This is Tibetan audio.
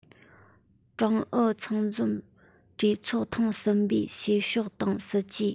ཀྲུང ཨུ ཚང འཛོམས གྲོས ཚོགས ཐེངས གསུམ པའི བྱེད ཕྱོགས དང སྲིད ཇུས